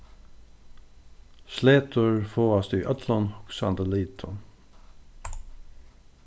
sletur fáast í øllum hugsandi litum